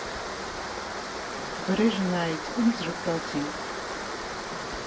Վրեժը նայեց ինձ՝ ժպտացինք։